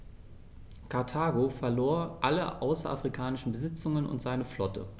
Karthago verlor alle außerafrikanischen Besitzungen und seine Flotte.